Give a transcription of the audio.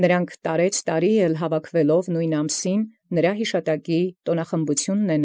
Որոց և նոյնպէս ամի ամի գումարելովք ի նոյն ամսեան՝ զնոյն յիշատակն տաւնախմբեն։